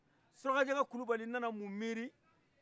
surakajɛkɛ kulubali nana mun miiri